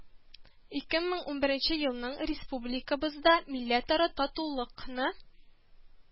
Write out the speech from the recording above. Ике мең унберенче елның республикабызда милләтара татулык ны